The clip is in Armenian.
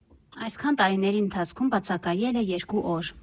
Այսքան տարիների ընթացքում բացակայել է երկու օր.